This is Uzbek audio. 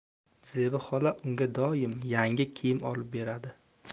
zebi xola unga doim yangi kiyim olib beradi